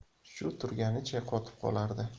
shu turganicha qotib qolardi